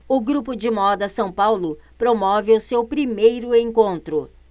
o grupo de moda são paulo promove o seu primeiro encontro